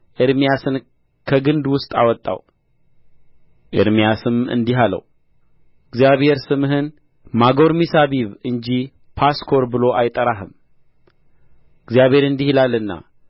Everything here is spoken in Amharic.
ኤርምያስን ከግንድ ውስጥ አወጣው ኤርምያስም እንዲህ አለው እግዚአብሔር ስምህን ማጎርሚሳቢብ እንጂ ጳስኮር ብሎ አይጠራህም እግዚአብሔር እንዲህ ይላልና